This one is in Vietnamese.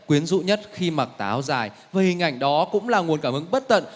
quyến rũ nhất khi mặc tà áo dài và hình ảnh đó cũng là nguồn cảm hứng bất tận